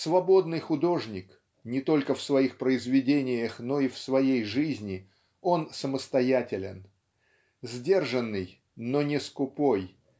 "Свободный художник" не только в своих произведениях но и в своей жизни он самостоятелен. Сдержанный но не скупой